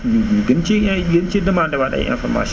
ñu gën si in gën si demandé waat ay informations